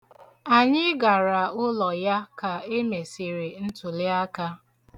Anyị gara ụlọ ya ka emesiri ntụliaka.